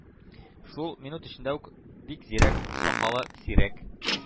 Шул минут эчендә үк Бикзирәк-Сакалы сирәк